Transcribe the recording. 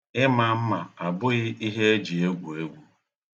Ịma mma abụghi ihe e ji egwu egwu.